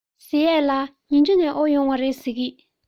ཟེར ཡས ལ ཉིང ཁྲི ནས དབོར ཡོང བ རེད ཟེར གྱིས